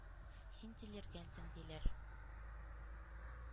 Син тилергәнсең, диләр.